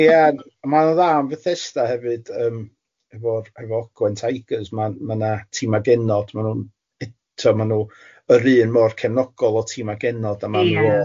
Ie a ma' nhw'n dda am Bethesda hefyd yym efo'r efo Ogwen Tigers ma'n ma' na timau genod ma' nhw'n tibod ma' nhw yr un mor cefnogol o tîmau genod a ma' nhw... Ia.